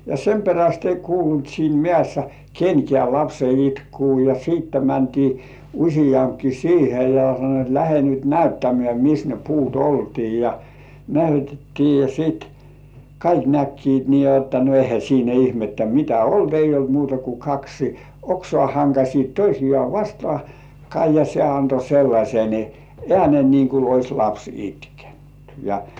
ja sen perästä ei kuulunut siinä mäessä kenkään lapsen itkua ja sitten mentiin useampikin siihen ja sanoivat että lähde nyt näyttämään että missä ne puut oltiin ja näytettiin ja sitten kaikki näkivät niin jotta no eihän siinä ihmettä mitä ollut ei ollut muuta kuin kaksi oksaa hankasivat toisiaan vastakkain ja se antoi sellaisen äänen niin kuin olisi lapsi itkenyt ja